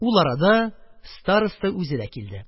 Ул арада староста үзе дә килде